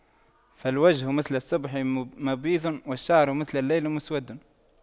فالوجه مثل الصبح مبيض والشعر مثل الليل مسود